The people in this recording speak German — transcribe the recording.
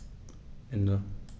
Ende.